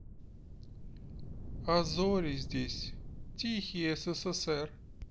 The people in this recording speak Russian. а зори здесь тихие ссср